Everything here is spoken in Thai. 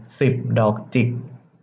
สิบดอกจิก